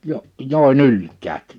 - joen ylikään